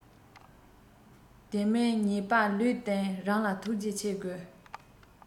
དེ མིན ཉེས པ ལུས སྟེང རང ལ ཐུགས རྗེ ཆེ དགོས